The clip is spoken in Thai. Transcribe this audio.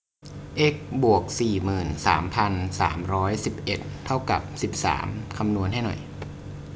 เอ็กซ์บวกสี่หมื่นสามพันสามร้อยสิบเอ็ดเท่ากับสิบสามคำนวณให้หน่อย